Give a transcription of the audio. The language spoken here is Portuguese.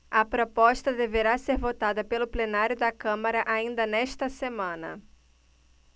a proposta deverá ser votada pelo plenário da câmara ainda nesta semana